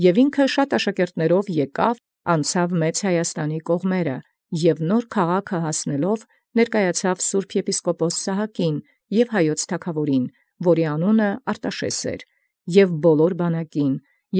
Եւ ինքն բազում աշակերտաւք գայր, անցանէր ի կողմանս Հայոց Մեծաց և հասեալ ի Նոր Քաղաքն՝ յանդիման լինէր սրբոյ եպիսկոպոսին Սահակայ և թագաւորին Հայոց, որում անուն Արտաշէս կոչէին, և ամենայն բանակին։